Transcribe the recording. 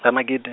Ha Magidi.